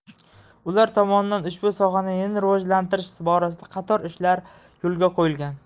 ular tomonidan ushbu sohani yanada rivojlantirish borasida qator ishlar yo'lga qo'yilgan